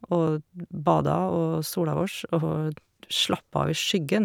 Og bada og sola oss og slappa av i skyggen.